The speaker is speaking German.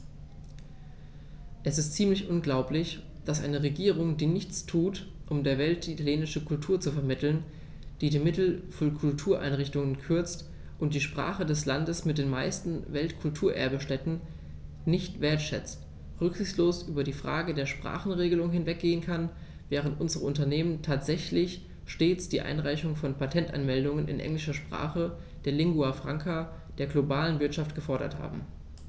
Es ist ziemlich unglaublich, dass eine Regierung, die nichts tut, um der Welt die italienische Kultur zu vermitteln, die die Mittel für Kultureinrichtungen kürzt und die Sprache des Landes mit den meisten Weltkulturerbe-Stätten nicht wertschätzt, rücksichtslos über die Frage der Sprachenregelung hinweggehen kann, während unsere Unternehmen tatsächlich stets die Einreichung von Patentanmeldungen in englischer Sprache, der Lingua Franca der globalen Wirtschaft, gefordert haben.